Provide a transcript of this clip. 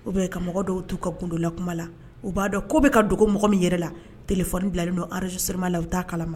U bɛ ka mɔgɔ dɔw'u ka kundo la kuma la u b'a dɔn ko bɛ ka dogo mɔgɔ min yɛrɛ la tilef bilalen don alizurma la u taa kalama